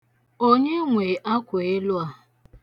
Onye nwe akweelu a?